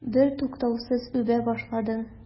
Бертуктаусыз үбә башладың.